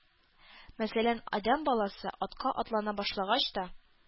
Мәсәлән, адәм баласы атка атлана башлагач та,